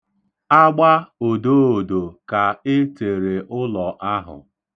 Agba odoodo ka a tere ụlọ ahụ.